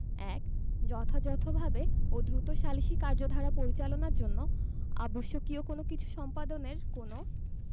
১ যথাযথভাবে ও দ্রুত সালিসী কার্যধারা পরিচালনার জন্য অবশ্যকীয় কোন কিছু সম্পাদনের কোন